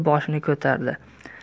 boshini ko'tardi